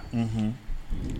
Unhun